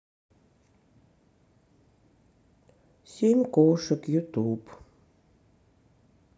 семь кошек ютуб